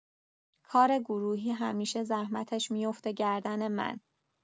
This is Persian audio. کار گروهی همیشه زحمتش می‌افته گردن من